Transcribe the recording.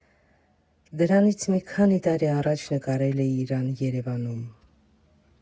Դրանից մի քանի տարի առաջ նկարել էի իրան Երևանում։